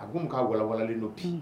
A ko mun' wawalelen don p